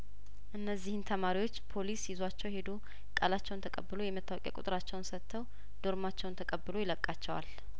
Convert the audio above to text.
እነዚህን ተማሪዎች ፖሊስ ይዟቸው ሄዶ ቃላቸውን ተቀብሎ የመታወቂያ ቁጥራቸውን ሰጥተው ዶርማቸውን ተቀብሎ ይለቃቸዋል